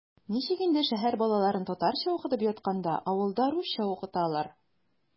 Ничек инде шәһәр балаларын татарча укытып ятканда авылда русча укыталар?!